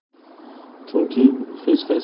chunki hech qaysi